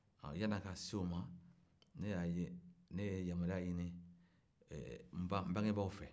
yann'a ka s'o ne ye yamaruya ɲini n bangɛbaaw fɛ